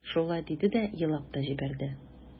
Шулай диде дә елап та җибәрде.